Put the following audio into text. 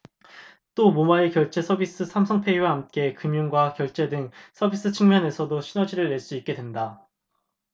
또 모바일 결제 서비스 삼성페이와 함께 금융과 결제 등 서비스 측면에서도 시너지를 낼 수 있게 된다